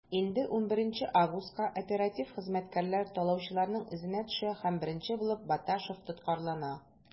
Инде 11 августка оператив хезмәткәрләр талаучыларның эзенә төшә һәм беренче булып Баташев тоткарлана.